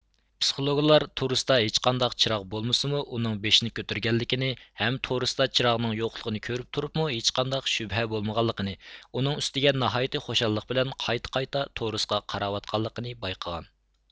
پسىخولوگلار تورۇستا ھېچقانداق چىراغ بولمىسىمۇ ئۇنىڭ بېشىنى كۆتۈرگەنلىكىنى ھەم تورۇستا چىراغنىڭ يوقلۇقىنى كۆرۈپ تۇرۇپمۇ ھېچقانداق شۇبھە بولمىغانلىقىنى ئۇنىڭ ئۈستىگە ناھايىتى خۇشاللىق بىلەن قايتا قايتا تورۇسقا قاراۋاتقانلىقىنى بايقىغان